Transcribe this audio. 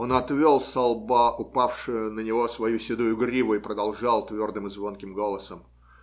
Он отвел со лба упавшую на него свою седую гриву и продолжал твердым и звонким голосом